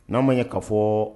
N'a ma ye k ka fɔ